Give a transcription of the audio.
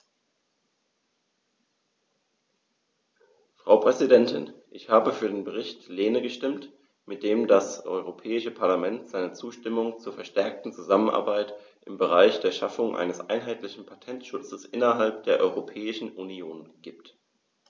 Frau Präsidentin, ich habe für den Bericht Lehne gestimmt, mit dem das Europäische Parlament seine Zustimmung zur verstärkten Zusammenarbeit im Bereich der Schaffung eines einheitlichen Patentschutzes innerhalb der Europäischen Union gibt.